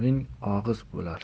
ming og'iz bo'lar